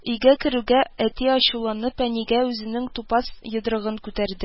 Өйгә керүгә, әти, ачуланып, әнигә үзенең тупас йодрыгын күтәрде